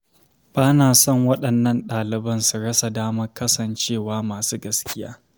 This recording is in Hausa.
Ba na son waɗannan ɗaliban su rasa damar kasancewa masu gaskiya.